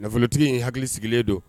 Nafolotigi in hakili sigilen don.